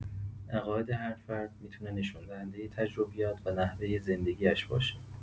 عقائد هر فرد می‌تونه نشون‌دهنده تجربیات و نحوه زندگی‌اش باشه.